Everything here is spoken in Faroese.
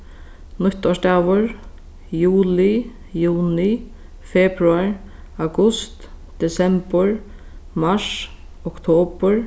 nýttársdagur juli juni februar august desembur mars oktobur